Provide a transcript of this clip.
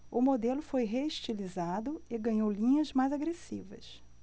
o modelo foi reestilizado e ganhou linhas mais agressivas